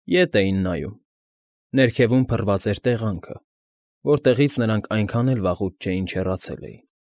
Ետ էին նայում՝ ներքևում փռված էր տեղանքը, որտեղից նրանք այնքան էլ վաղուց չէ, ինչ հեռացել էին։